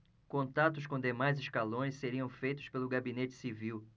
contatos com demais escalões seriam feitos pelo gabinete civil